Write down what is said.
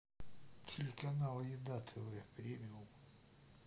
телеканал еда тв премиум